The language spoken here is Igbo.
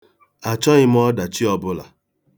Achọghị m ọdachi ọbụla.